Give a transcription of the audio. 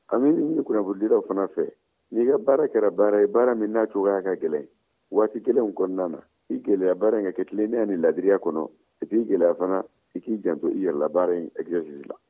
an bɛ ɲini kunnafonidilaw fana fɛ ni i ka baara kɛra baara baara min n'a cogoya ka gɛlɛn waati gɛlɛn kɔnɔna na i gɛlɛya baara ka kɛ tilennenya ni laadiriya kɔnɔ et puis i gɛlɛya fana i k'i janto i yɛrɛ la baara in exercisi la